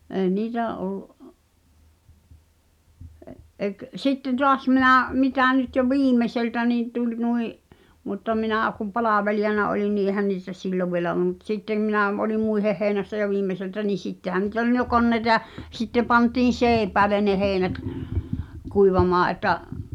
ei niitä ollut -- sitten taas minä mitä nyt jo viimeiseltä niin tuli nuo mutta minä kun palvelijana olin niin eihän niitä silloin vielä ollut mutta sitten minä - olin muiden heinässä jo viimeiseltä niin sittenhän niitä oli - jo koneita ja sitten pantiin seipäälle ne heinät kuivamaan että -